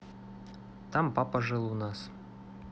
там папа жил у нас